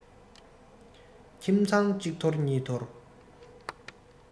ཁྱིམ ཚང གཅིག འཐོར གཉིས འཐོར